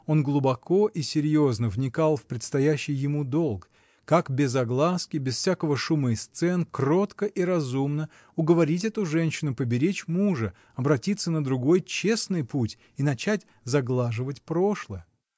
Он глубоко и серьезно вникал в предстоящий ему долг: как, без огласки, без всякого шума и сцен, кротко и разумно уговорить эту женщину поберечь мужа, обратиться на другой, честный путь и начать заглаживать прошлое.